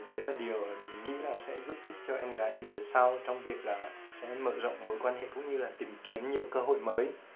điều đó mình nghĩ sẽ giúp ích cho em gái mình về sau trong việc mở rộng mối quan hệ cơ hội mới